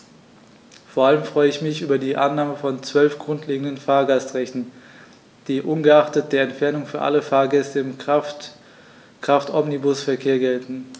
Vor allem freue ich mich über die Annahme von 12 grundlegenden Fahrgastrechten, die ungeachtet der Entfernung für alle Fahrgäste im Kraftomnibusverkehr gelten.